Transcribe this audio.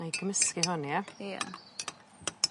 'Nai gymysgu hon ia? Ia.